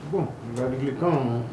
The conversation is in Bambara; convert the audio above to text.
Bon ladilikan